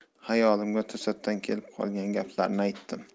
xayolimga to'satdan kelib qolgan gaplarni aytdim